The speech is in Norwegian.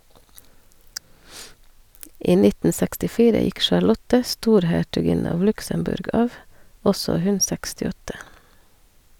I 1964 gikk Charlotte, storhertuginne av Luxembourg, av, også hun 68.